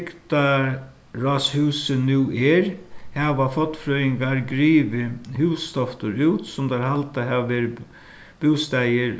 bygdarráðshúsið nú er hava fornfrøðingar grivið hústoftir út sum teir halda hava verið bústaðir